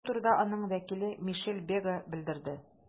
Бу турыда аның вәкиле Мишель Бега белдерде.